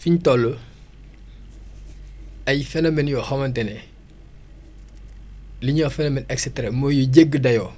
fiñ toll ay phénomènes yoo xamante ne li ñuy wax phénomène extrèmes mooy yu jéggi dayoo